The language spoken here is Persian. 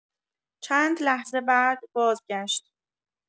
چند لحظه بعد بازگشت.